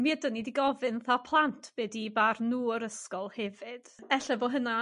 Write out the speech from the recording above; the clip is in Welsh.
Mi ydan ni di gofyn 'tha plant be' 'di 'u barn nw o'r ysgol hefyd. Ella bo hynna